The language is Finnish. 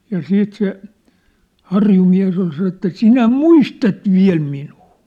ja sitten se harjumies oli sanonut että sinä muistat vielä minua